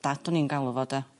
dad o'n i'n galw fo 'de?